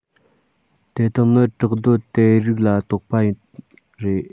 དེ དག ནི བྲག རྡོག དེ རིགས ལ གཏོགས པ རེད